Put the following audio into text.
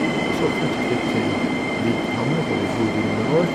Og så flyttet vi til Vikhammer, hvor vi bodde i noen år.